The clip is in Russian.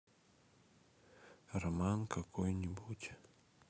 роман какой нибудь